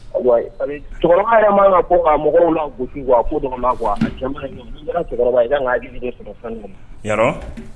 Cɛkɔrɔba yɛrɛ man ka bɔ ka mɔgɔw lagosi quoi ko dɔw la quoi a cɛ man i nɔ n'i kɛra cɛkɔrɔba ye i kan ka i hakili sigi yɔrɔ